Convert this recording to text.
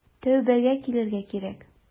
Тәүбәгә килергә кирәк.